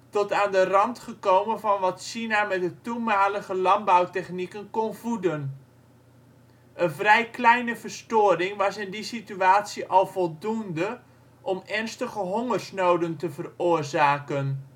tot aan de rand gekomen van wat China met de toenmalige landbouwtechnieken kon voeden. Een vrij kleine verstoring was in die situatie al voldoende om ernstige hongersnoden te veroorzaken